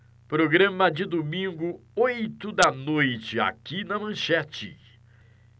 programa de domingo oito da noite aqui na manchete